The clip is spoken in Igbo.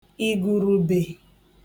ìgùrùbè